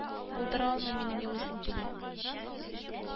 Булдыра алмыйм минем елыйсым килә